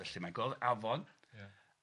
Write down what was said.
Felly mae'n gweld afon, ia,